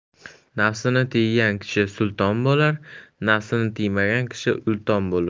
nafsini tiygan kishi sulton bo'lur nafsini tiymagan kishi ulton bo'lur